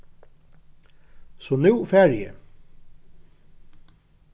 so nú fari eg